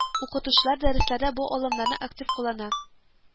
Укытучылар дәресләрдә бу алымнарны актив куллана